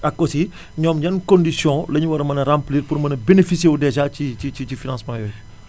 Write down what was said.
ak aussi ñoom yan condition lañu war mën a remplir pour mën a bénéficié wu dèjà ci ci ci ci financement yooyu